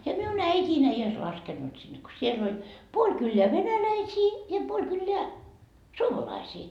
ja minun äitini ei olisi laskenut sinne kun siellä oli puoli kylää venäläisiä ja puoli kylää suomalaisia